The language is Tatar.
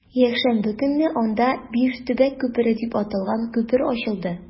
Якшәмбе көнне анда “Биш төбәк күпере” дип аталган күпер ачылды.